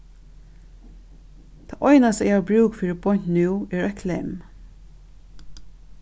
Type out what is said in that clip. tað einasta eg havi brúk fyri beint nú er eitt klemm